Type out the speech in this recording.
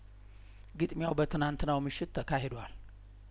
ግጥሚያው በትናንትናው ምሽት ተካሂዷል